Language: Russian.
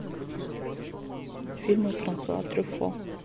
фильмы франсуа трюффо